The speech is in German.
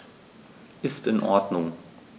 Ist in Ordnung.